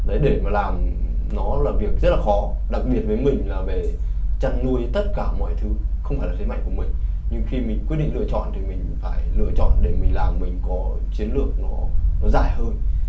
đấy để mà làm nó là việc rất là khó đặc biệt với mình là về chăn nuôi tất cả mọi thứ không phải là thế mạnh của mình nhưng khi mình quyết định lựa chọn thì mình phải lựa chọn để mình làm mình có chiến lược nó dài hơi